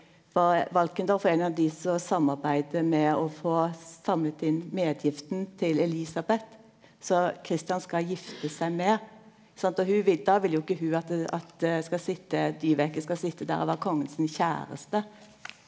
Va Valkendorf er jo ein av dei som samarbeider med å få samla inn medgifta til Elisabeth som Christian skal gifte seg med sant og ho då vil jo ikkje ho at at det skal sitte Dyveke skal sitte der og vere kongen sin kjæraste.